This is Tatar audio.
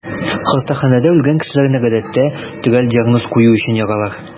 Хастаханәдә үлгән кешене, гадәттә, төгәл диагноз кую өчен яралар.